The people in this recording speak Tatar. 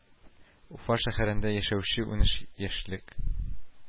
Уфа шәһәрендә яшәүче унөч яшьлек